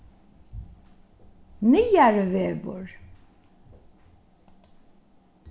niðarivegur